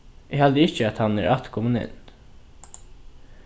eg haldi ikki at hann er afturkomin enn